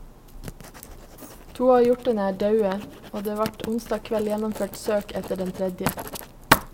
To av hjortane er daude, og det vart onsdag kveld gjennomført søk etter den tredje.